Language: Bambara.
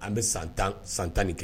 An bɛ san 10 san 10 ni ke